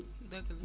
dëgg la